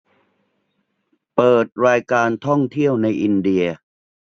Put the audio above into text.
เปิดรายการท่องเที่ยวในอินเดีย